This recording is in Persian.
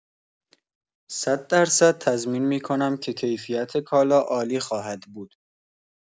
صددرصد تضمین می‌کنم که کیفیت کالا عالی خواهد بود.